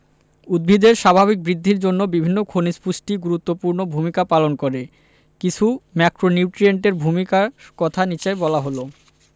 উদ্ভিদের স্বাভাবিক বৃদ্ধির জন্য বিভিন্ন খনিজ পুষ্টি গুরুত্বপূর্ণ ভূমিকা পালন করে কিছু ম্যাক্রোনিউট্রিয়েন্টের ভূমিকার কথা নিচে বলা হল